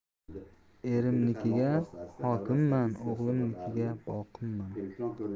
erimnikiga hokimman o'g'limnikiga boqimman